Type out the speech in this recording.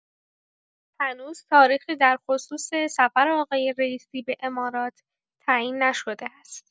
هنوز تاریخی در خصوص سفر آقای رئیسی به امارات تعیین نشده است.